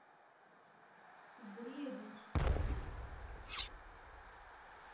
ты бредишь